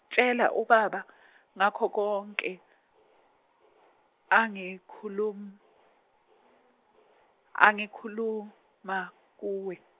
tshela ubaba ngakho konke, angikhulum- angikhuluma kuwe.